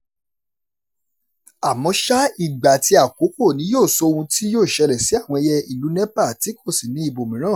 Àmọ́ ṣá ìgbà àti àkókò ni yóò sọ ohun tí yóò ṣẹlẹ̀ sí àwọn ẹyẹ ìlú Nepal tí kò sí ní ibòmíràn.